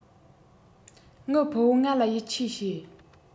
ངའི ཕུ བོ ང ལ ཡིད ཆེས བྱེད